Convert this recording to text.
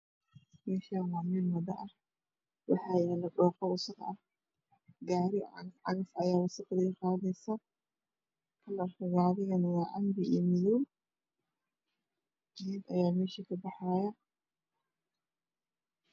Meshani waa mel wado ah waxaa yala dhoqo wasaq ah waxaa qadaya gari cagaf cagaf ah midabkisuna waa cad iyo madow